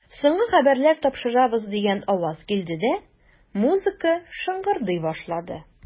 Соңгы хәбәрләр тапшырабыз, дигән аваз килде дә, музыка шыңгырдый башлады.